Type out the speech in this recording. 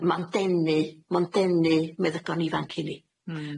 Ma'n denu, ma'n denu meddygon ifanc i ni. Hmm.